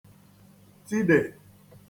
tidè